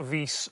fis